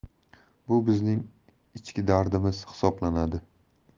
bu bizning ichki dardimiz hisoblanadi